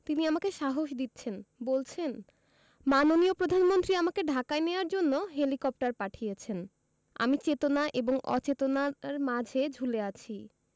তিনি আমাকে সাহস দিচ্ছেন বলছেন মাননীয় প্রধানমন্ত্রী আমাকে ঢাকায় নেওয়ার জন্য হেলিকপ্টার পাঠিয়েছেন আমি চেতনা এবং অচেতনার মাঝে ঝুলে আছি